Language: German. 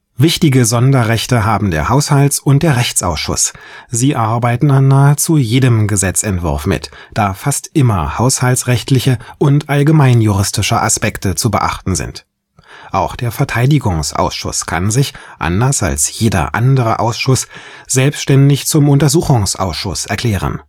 Wichtige Sonderrechte haben der Haushalts - und Rechtsausschuss: Sie arbeiten an nahezu jedem Gesetzentwurf mit, da fast immer haushaltsrechtliche und allgemeinjuristische Aspekte zu beachten sind. Auch der Verteidigungsausschuss kann sich – anders als jeder andere Ausschuss – selbständig zum Untersuchungsausschuss erklären